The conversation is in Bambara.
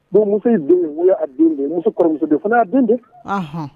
Dɔgɔmuso in den o y'a den de ye muso kɔrɔmuso den o fana y'a den de ye, unhun